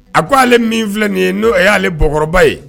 A ko ale min filɛ nin ye n'o y'alekɔrɔba ye